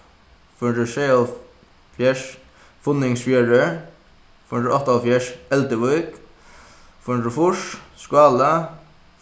fýra hundrað og sjeyoghálvfjerðs funningsfjørður fýra hundrað og áttaoghálvfjerðs elduvík fýra hundrað og fýrs skála